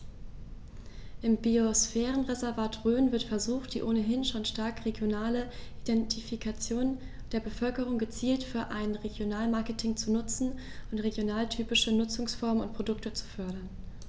Im Biosphärenreservat Rhön wird versucht, die ohnehin schon starke regionale Identifikation der Bevölkerung gezielt für ein Regionalmarketing zu nutzen und regionaltypische Nutzungsformen und Produkte zu fördern.